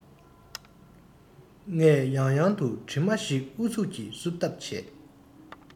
ངས ཡང ཡང དུ གྲིབ མ ཞིག ཨུ ཚུགས ཀྱིས བསུབ ཐབས བྱེད